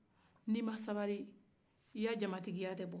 n'i ma sabari i ka jamatigiya tɛ bɔ